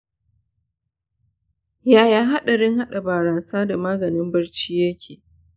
yaya haɗarin haɗa barasa da maganin barci yake?